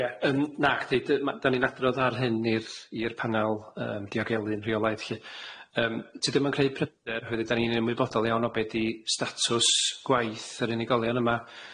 Ie yym nacdi dy- ma' dan ni'n adrodd ar hyn i'r i'r panel yym diogelu'n rheolaidd lly yym ti ddim yn creu' pryder wedyn dan ni'n ymwybodol iawn o be' di statws gwaith yr unigolion yma.